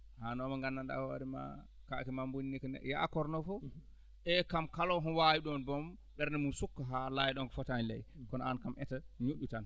aan oo mo nganndanɗaa hoore maa kaake ma bonni ko neɗɗo yaakornoo fof eeyi kam kala ho waawi ɗoon boom ɓernde mum sukka haa laaya ɗon ko fotaani laayde kono aan kam eto yoɓi tan